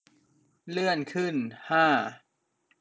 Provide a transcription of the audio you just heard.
เลื่อนขึ้นห้า